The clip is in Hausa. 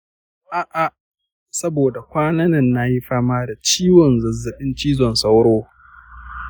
a'a, saboda kwanan nan na yi fama da ciwon zazzabin cizon sauro.